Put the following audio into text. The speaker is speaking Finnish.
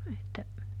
että